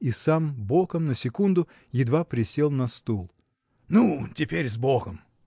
– И сам боком, на секунду, едва присел на стул. – Ну, теперь с богом!